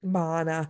Ma' 'na.